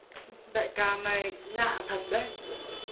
đại ca hôm nay lạ thật đấy